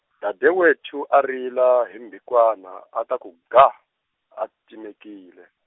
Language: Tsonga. Dadewethu a rila hi mbhikwana a ta ku gaa, a timekile.